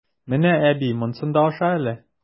Менә, әби, монсын да аша әле!